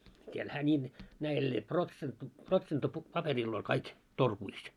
siellä hän niin näillä - papereilla kaikki torkusi